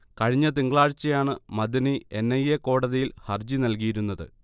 കഴിഞ്ഞ തിങ്കളാഴ്ചയാണ് Madani N. I. A കോടതിയിൽ ഹർജി നൽകിയിരുന്നത്